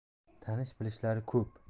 tanish bilishlari ko'p